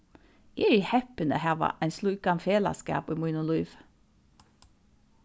eg eri heppin at hava ein slíkan felagsskap í mínum lívi